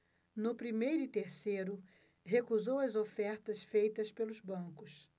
no primeiro e terceiro recusou as ofertas feitas pelos bancos